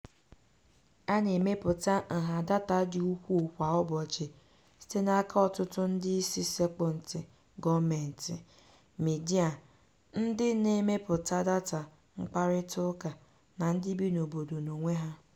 A na-emepụta nha data dị ukwuu kwa ụbọchị, site n’aka ọtụtụ ndị isi sekpu ntị: gọọmentị. midia, ndị na-emepụta data mkparịtaụka, na ndị bi n’obodo n’onwe ha.